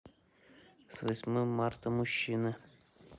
с восьмым марта мужчины